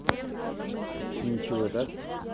ничего так